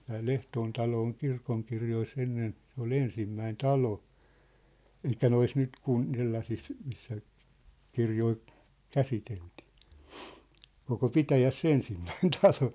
tämä Lehtoon talo on kirkonkirjoissa ennen se oli ensimmäinen talo eli noissa nyt - sellaisissa missä kirjoja käsiteltiin koko pitäjässä ensimmäinen talo